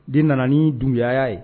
Den nana ni dunya ye